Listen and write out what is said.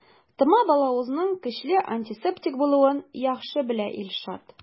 Тома балавызның көчле антисептик булуын яхшы белә Илшат.